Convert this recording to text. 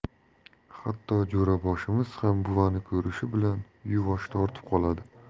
hatto jo'raboshimiz ham buvani ko'rishi bilan yuvosh tortib qoladi